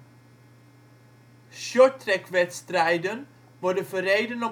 Shorttrackwedstrijden worden verreden